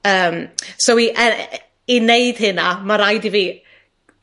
Yym so i yy i neud hynna, ma' raid i fi